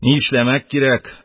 Ни эшләмәк кирәк,